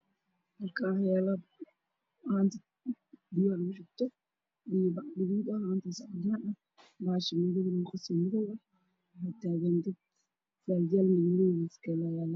Halkaan waxaa yaalo haanta biyaha lugu shubto iyo bac gaduud, haantaaso cadaan ah, bahasha shamiitada lugu qaso oo madow ah, waxaa taagan dad sakeelo madow wato.